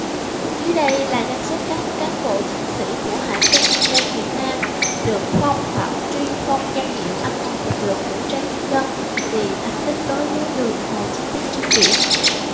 dưới đây là danh sách các cán bộ chiến sĩ của hải quân nhân dân việt nam được phong hoặc truy phong danh hiệu anh hùng lực lượng vũ trang nhân dân vì thành tích đối với đường hồ chí minh trên biển